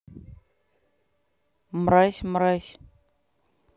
мразь мразь